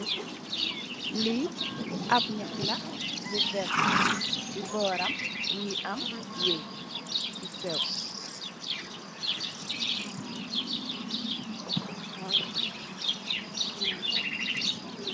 Li ap ñax la bu werta, si bóram mugii am weñ yu séw.